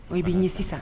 Ɔn i bi n ye sisan.